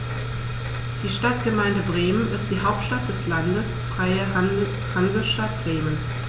Die Stadtgemeinde Bremen ist die Hauptstadt des Landes Freie Hansestadt Bremen.